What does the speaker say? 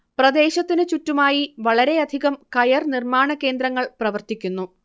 പ്രദേശത്തിനു ചുറ്റുമായി വളരെയധികം കയർ നിർമ്മാണകേന്ദ്രങ്ങൾ പ്രവർത്തിക്കുന്നു